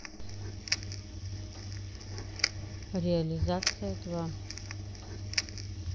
реализация два